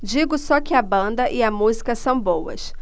digo só que a banda e a música são boas